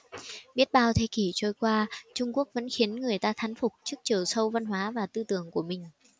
biết bao thế kỷ đã trôi qua trung quốc vẫn khiến người ta thán phục trước chiều sâu văn hóa và tư tưởng của mình